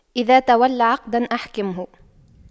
إذا تولى عقداً أحكمه